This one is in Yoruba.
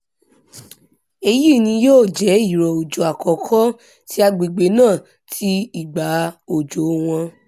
Èyí ni yóò jẹ́ ìrọ̀ òjò àkọ́kọ́ ti agbègbè náà ti ìgbà òjò wọn.